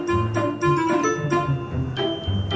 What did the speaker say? rồi